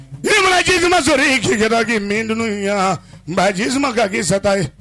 Ɲamana jiuman ma sɔrɔ'i kikɛdaki min dunun in ɲɛ nka ji ma k' k'i sata ye